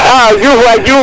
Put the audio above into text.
a Diouf waay Diouf